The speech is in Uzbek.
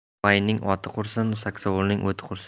o'gayning oti qursin saksovulning o'ti qursin